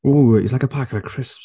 Ooh, he's like a packet of crisps.